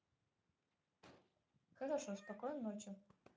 хорошо спокойной ночи